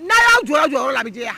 N'a y'a jɔ jɔ la a bɛ jɛ yan